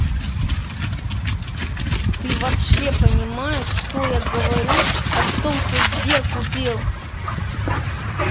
ты вообще понимаешь что я говорю о том что сбер купил